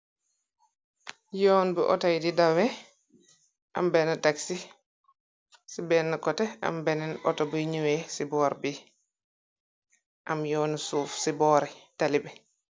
Yoon bu otoy di dawe am benn tagsi ci benn kote am bennen ato buy nuwee ci boor bi am yoonu suuf ci boori tali bi.